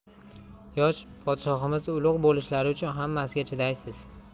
yosh podshohimiz ulug' bo'lishlari uchun hammasiga chidaysiz